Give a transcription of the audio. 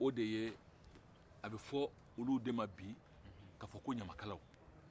o de ye a bɛ fɔ olu de ma bi ko ɲamakalaw